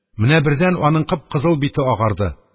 Менә бердән аның кып-кызыл бите агарды